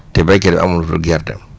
te béykat bi amul lu dul gerteem